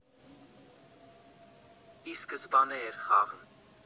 Ի սկզբանե էր խաղն։